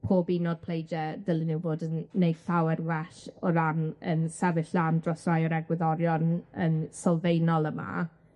pob un o'r pleidie ddylen nw bod yn neud llawer well o ran yym sefyll lan dros rai o'r egwyddorion yym sylfaenol yma